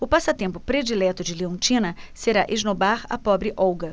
o passatempo predileto de leontina será esnobar a pobre olga